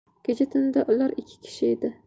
kecha tunda ular ikki kishi edi